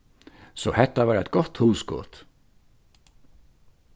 so hetta var eitt gott hugskot